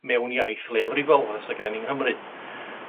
Mewn iaith leiafrifol, fel fy- 'sa gennyn ni yng Nghymru.